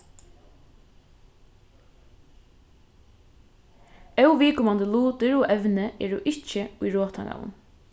óviðkomandi lutir og evni eru ikki í rottanganum